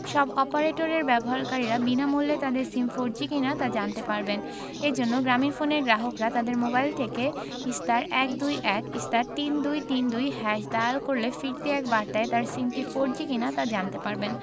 সব অপারেটরের ব্যবহারকারীরা বিনামূল্যে তাদের সিম ফোরজি কিনা তা জানতে পারবেন এ জন্য গ্রামীণফোনের গ্রাহকরা তাদের মোবাইল থেকে *১২১*৩২৩২# ডায়াল করলে ফিরতি এক বার্তায় তার সিমটি ফোরজি কিনা তা জানতে পারবেন